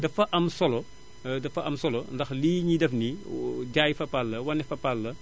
dafa am solo dafa am solo ndax lii ñiy def nii jaay Fapal la wane Fapal la